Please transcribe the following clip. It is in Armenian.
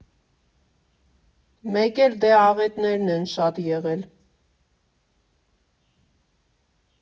«Մեկ էլ դե աղետներն են շատ եղել.